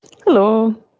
Helo!